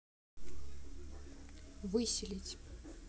выселить